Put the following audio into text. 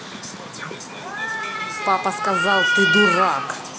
папа сказал ты дурак